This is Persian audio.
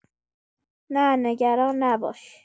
نه نگران نباش